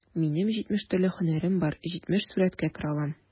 Минем җитмеш төрле һөнәрем бар, җитмеш сурәткә керә алам...